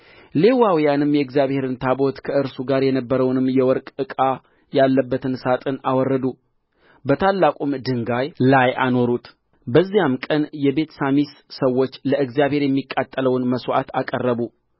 ሌዋውያንም የእግዚአብሔርን ታቦት ከእርሱ ጋር የነበረውንም የወርቅ ዕቃ ያለበትን ሣጥን አወረዱ በታላቁም ድንጋይ ላይ አኖሩት በዚያም ቀን የቤትሳሚስ ሰዎች ለእግዚአብሔር የሚቃጠለውን መሥዋዕት አቀረቡ